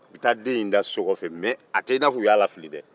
u bɛ taa den in da so kɔfɛ mɛ a tɛ i n'a fɔ u y'a lafili dɛ